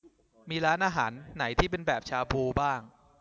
มีร้านอาหารไหนที่เป็นแบบชาบูบ้าง